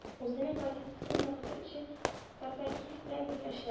Үзенең позициясен ныгытыр өчен тартакиев белән берләш